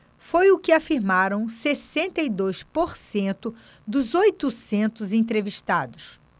foi o que afirmaram sessenta e dois por cento dos oitocentos entrevistados